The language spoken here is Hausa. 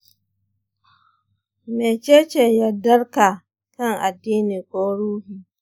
mece ce yardarka kan addini ko ruhi?